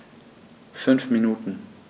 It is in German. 5 Minuten